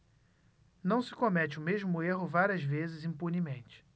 não se comete o mesmo erro várias vezes impunemente